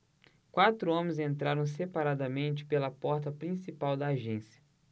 quatro homens entraram separadamente pela porta principal da agência